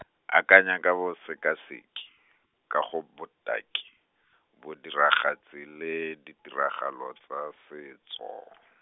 akanya ka bosekaseki, ka ga botaki, bodiragatsi le ditiragalo tsa setso .